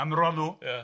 am Ronw... Ia...